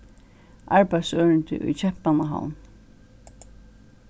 arbeiðsørindi í keypmannahavn